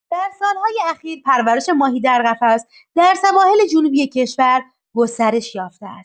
در سال‌های اخیر پرورش ماهی در قفس در سواحل جنوبی کشور گسترش یافته است.